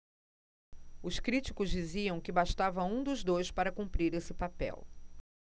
os críticos diziam que bastava um dos dois para cumprir esse papel